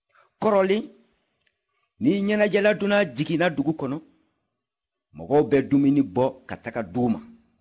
kɔrɔlen ni ɲɛnajɛkɛladunanw jiginna dugu kɔnɔ mɔgɔ bɛ dumuni bɔ ka taga di u ma